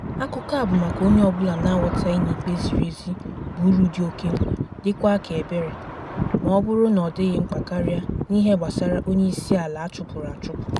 Akụkọ a bụ maka onye ọbụla na aghọtaghị na ikpe ziri ezi bụ uru dị oke mkpa, dịkwa ka ebere - maọbụrụ na ọ dịghị mkpa karịa, n'ihe gbasara onyeisiala a chụpụrụ achụpụ.